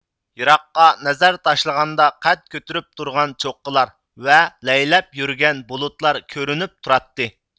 يىراققا نەزەر تاشلىغاندا قەد كۆتۈرۈپ تۇرغان چوققىلار ۋە لەيلەپ يۈرگەن بۇلۇتلار كۆرۈنۈپ تۇراتتى